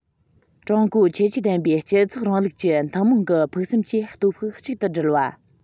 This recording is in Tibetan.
ཀྲུང གོའི ཁྱད ཆོས ལྡན པའི སྤྱི ཚོགས རིང ལུགས ཀྱི ཐུན མོང གི ཕུགས བསམ གྱིས སྟོབས ཤུགས གཅིག ཏུ སྒྲིལ བ